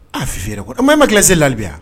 A fira ko a ma ma ki labiya